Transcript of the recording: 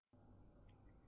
ཤེས བྱའི རྒྱ མཚོའི གླིང དུ